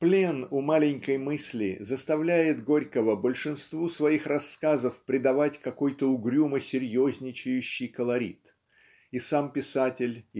Плен у маленькой мысли заставляет Горького большинству своих рассказов придавать какой-то угрюмо-серьезничающий колорит и сам писатель